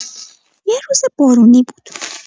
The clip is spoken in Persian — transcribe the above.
یه روز بارونی بود.